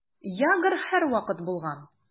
Ягр һәрвакыт булган.